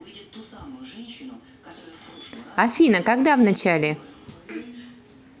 афина когда в начале